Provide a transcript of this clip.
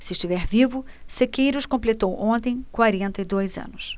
se estiver vivo sequeiros completou ontem quarenta e dois anos